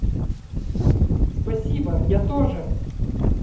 спасибо я тоже